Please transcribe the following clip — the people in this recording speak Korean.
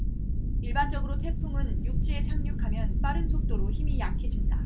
일반적으로 태풍은 육지에 상륙하면 빠른 속도로 힘이 약해진다